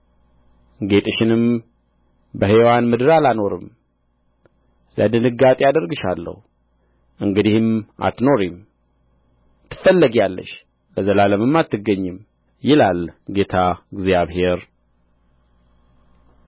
ጌጥሽንም በሕያዋን ምድር አላኖርም ለድንጋጤ አደርግሻለሁ እንግዲህም አትኖሪም ትፈለጊአለሽ ለዘላለምም አትገኚም ይላል ጌታ እግዚአብሔር